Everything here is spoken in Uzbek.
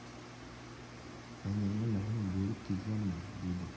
yangangga norin buyurib kelganman deydi